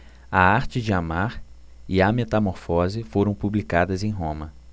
a arte de amar e a metamorfose foram publicadas em roma